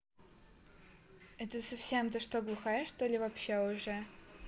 это совсем ты что глухая что ли вообще уже